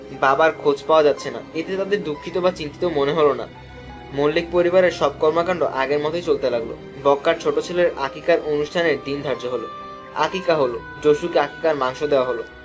বাবার খোঁজ পাওয়া যাচ্ছে না এতে তাদের দুঃখিত বা চিন্তিত মনে হলো না মৌলিক পরিবারের সব কর্মকাণ্ড আগের মতোই চলতে লাগল বক্কার ছোট ছেলের আকিকার অনুষ্ঠানের দিন ধার্য হলো আকিকা হল জুসুকে আকিকার মাংস দেয়া হল